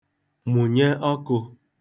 mụ̀nye ọkụ̄